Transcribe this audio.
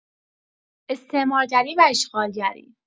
استعمارگری و اشغالگری